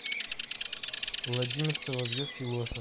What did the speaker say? владимир соловьев философ